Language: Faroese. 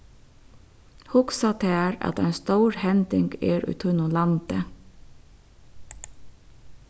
hugsa tær at ein stór hending er í tínum landi